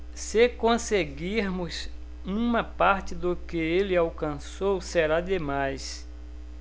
se conseguirmos uma parte do que ele alcançou será demais